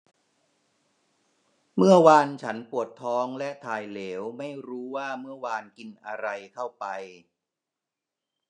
เมื่อวานฉันปวดท้องและถ่ายเหลวไม่รู้ว่าเมื่อวานกินอะไรเข้าไป